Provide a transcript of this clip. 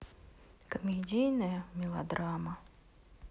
комедийная мелодрама